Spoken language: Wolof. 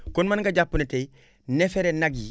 kon mën nga jàpp ne tey neefere nag yi